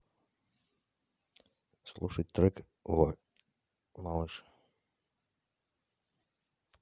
слушать трек малыш